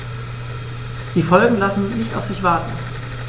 Die Folgen lassen nicht auf sich warten.